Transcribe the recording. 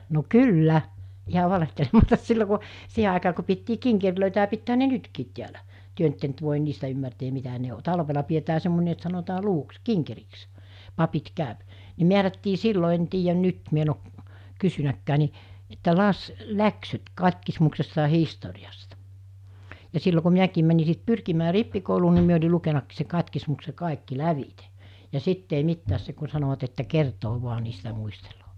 no kyllä ihan valehtelematta silloin kun siihen aikaa kun pidettiin kinkereitä ja pitäähän ne nytkin täällä te nyt ette nyt voin niistä ymmärtää mitä ne on talvella pidetään semmoinen että sanotaan luvuksi kinkeriksi papit käy ne määrättiin silloin en tiedä nyt minä en ole kysynytkään niin että - läksyt katkismuksesta ja historiasta ja silloin kun minäkin menin sitten pyrkimään rippikouluun niin minä olin lukenutkin se katkismuksen kaikki lävitse ja sitten ei mitään se kun sanoivat että kertaa vain niin sitä muistelee